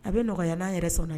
A bɛ nɔgɔyaya yɛrɛ sɔrɔ